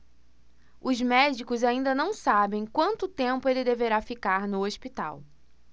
os médicos ainda não sabem quanto tempo ele deverá ficar no hospital